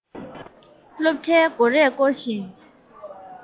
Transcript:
སློབ གྲྭའི སྒོ རས བསྐོར ཞིང